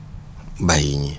bàyyi ñii